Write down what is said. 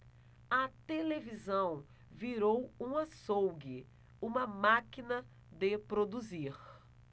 a televisão virou um açougue uma máquina de produzir